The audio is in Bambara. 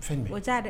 Ca dɛ